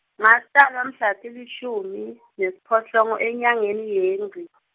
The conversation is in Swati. ngatalwa mhla tilishumi, nesiphohlongo enyangeni yeNgci .